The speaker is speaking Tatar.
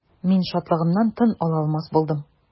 Мин шатлыгымнан тын ала алмас булдым.